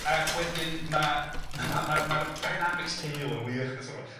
Ac wedyn ma' ma' ma' ma'r dynamics teuluol yn wych yn y .